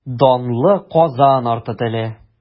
Данлы Казан арты теле.